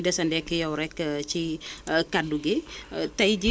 waaw c' est vrai que xam nga comme nu ko doyen bi waxee